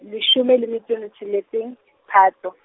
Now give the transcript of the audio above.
leshome le metso e tsheletseng, Phato.